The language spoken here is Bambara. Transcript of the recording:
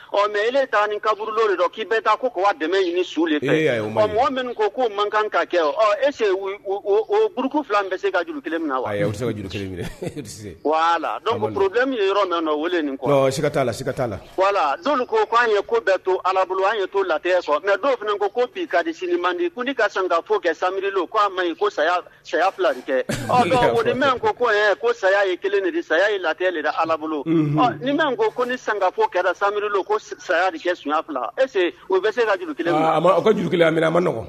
Ɔ mɛ e taa ni kaburu de don k'i bɛ taa ko ka dɛmɛ ɲini so de mɔgɔ min ko ko man kan ka kɛ eseuruku fila bɛ se ka juru kelen na juru min ye yɔrɔ wele nin la don ko ko'an ko bɛɛ to alabu an ye to laya sɔrɔ mɛ dɔw fana ko f'i ka di sini nin di ko n' ka sankafo kɛ sari k'a ma ko saya saya fila kɛ o bɛ ko saya ye kelen de saya ye la de ala bolo ni bɛ ko sankafo kɛra sari ko saya cɛ sunjata fila ese o bɛ se juru juru ma